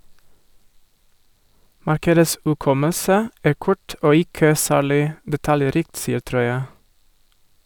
- Markedets hukommelse er kort og ikke særlig detaljrikt, sier Troye.